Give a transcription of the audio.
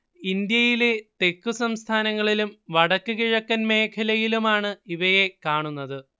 ഇന്ത്യയിലെ തെക്കുസംസ്ഥാനങ്ങളിലും വടക്ക് കിഴക്കൻ മേഖലയിലുമാണ് ഇവയെ കാണുന്നത്